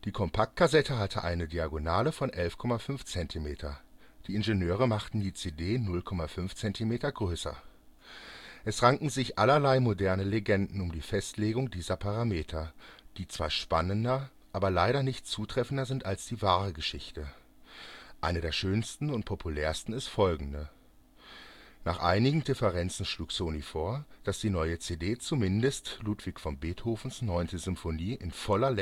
Compact Cassette hatte eine Diagonale von 11.5cm, die Ingenieure machten die CD 0.5cm größer. Es ranken sich allerlei moderne Legenden um die Festlegung dieser Parameter, die zwar spannender aber leider nicht zutreffender sind als die wahre Geschichte; eine der schönsten und populärsten ist folgende: Nach einigen Differenzen schlug Sony vor, dass die neue CD zumindest Ludwig van Beethovens Neunte Sinfonie in voller